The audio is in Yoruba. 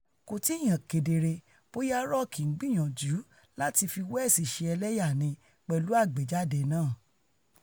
Kò tíì hàn kedere bóyá Rock ńgbìyânjú láti fi West ṣe ẹlẹ́yà ni pẹ̀lú àgbéjáde náà.